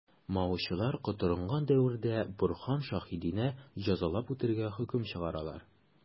Маочылар котырынган дәвердә Борһан Шәһидине җәзалап үтерергә хөкем чыгаралар.